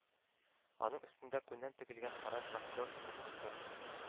Аның өстендә күннән тегелгән кара шахтер курткасы